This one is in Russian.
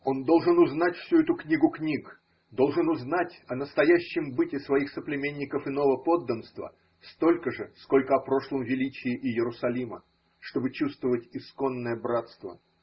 Он должен узнать всю эту книгу книг, должен узнать о настоящем быте своих соплеменников иного подданства столько же, сколько о прошлом величии Иерусалима, чтобы чувствовать исконное братство.